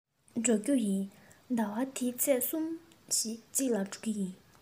ད དུང སོང མེད ཟླ བ འདིའི ཚེས གསུམ བཞིའི གཅིག ལ འགྲོ གི ཡིན